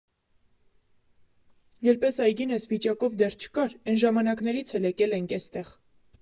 Երբ էս այգին էս վիճակով դեռ չկար, էն ժամանակներից էլ եկել ենք էստեղ։